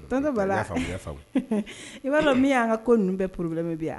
I b'a dɔn min y'a ka ko ninnu bɛɛ porobilɛmɛ yan wa